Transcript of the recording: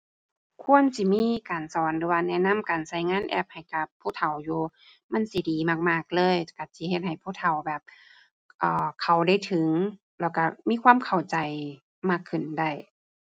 ควรสิมีการสอนหรือว่าแนะนำการใช้งานแอปให้กับผู้เฒ่าอยู่ มันสิดีมากมากเลย ใช้สิเฮ็ดให้ผู้เฒ่าแบบ อ่า เข้าได้ถึง แล้วใช้มีความเข้าใจมากขึ้นได้